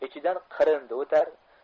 ichidan qirindi o'tar